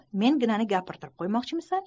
faqat meni gapirtirib qo'ymoqchimisan